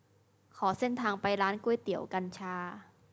ขอเส้นทางไปร้านก๋วยเตี๋ยวกัญชา